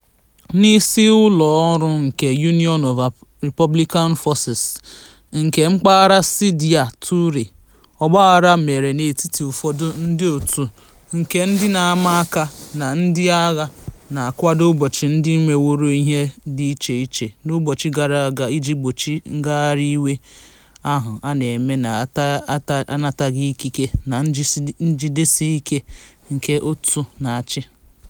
...n'isi ụlọ ọru nke Union of Republican Forces (URF) nke mpaghara Sidya Touré, ọgbaghara mere n'etiti ụfọdụ ndị òtù nke ndị na-ama aka na ndị agha na-akwado ọchịchị ndị meworo ihe dị iche iche n'ụbọchị gara aga iji gbochie ngagharị iwe ahụ a na-eme na-anataghị ikike na njidesi ike nke òtù na-achị.